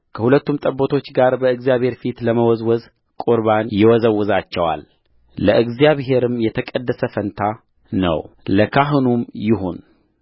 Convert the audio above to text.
ከሁለቱም ጠቦቶች ጋር በእግዚአብሔር ፊት ለመወዝወዝ ቍርባን ይወዘውዛቸዋል ለእግዚአብሔር የተቀደሰ ፈንታ ነው ለካህኑ ይሁን